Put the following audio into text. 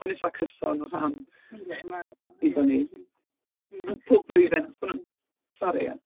Ond eitha cyson o ran ... yndi mae o. ...i fyny... m-hm. ...n- pob blwyddyn achos ma' nhw'n... Sori, ie.